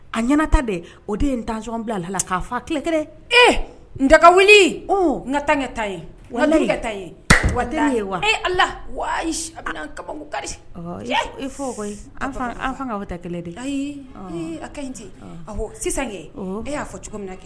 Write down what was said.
A ɲɛnata bɛn o de ye tansonɔn bila a la la k'a kɛlɛkɛ ee n daga wuli n ka tankɛ ta ye wa ka taa ye wa ye wa ee ala wa kaba kari e fɔ ka ta kɛlɛ de a ka in cɛ a ko sisan e y'a fɔ cogo min kɛ